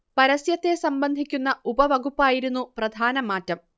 പരസ്യത്തെ സംബന്ധിക്കുന്ന ഉപവകുപ്പായിരുന്നു പ്രധാന മാറ്റം